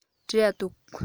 འབྲས འདུག